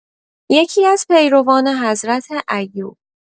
یکی‌از پیروان حضرت ایوب